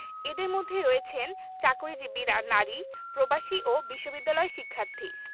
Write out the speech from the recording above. এঁদের মধ্যে রয়েছেন চাকরিজীবী নারী প্রবাসী ও বিশ্ববিদ্যালয় শিক্ষার্থী